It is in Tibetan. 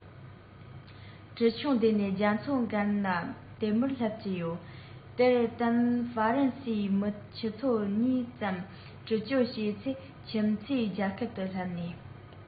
གྲུ ཆུང བསྡད ནས རྒྱ མཚོ བརྒལ ན དེ མུར སླེབས ཀྱི ཡོད དེར བརྟེན ཧྥ རན སེའི མི ཆུ ཚོད གཉིས ཙམ གྲུ སྐྱོད བྱས ཚེ ཁྱིམ མཚེས རྒྱལ ཁབ ཏུ སླེབས ནས